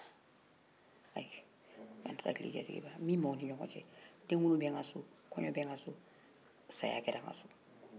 hali n'i tara tilen i jatigi bara min b'aw ni ɲɔgɔn cɛ denkundi bɛ n ka so kɔɲɔ bɛ n ka so saya kɛra n ka so bolokoli bɛ n ka so worotila bɛ n ka so